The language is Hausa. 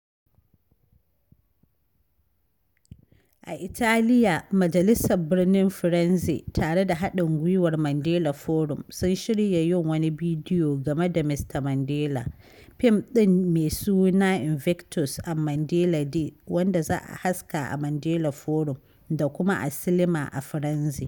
A Italiya, Majalisar Birnin Firenze tare da haɗin gwiwar Mandela Forum, sun shirya yin wani bidiyo game da Mr Mandela, fim ɗin mai suna Invictus and Mandela Day, wanda za a haska a Mandela Forum, da kuma a silima a Firenze.